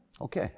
ok.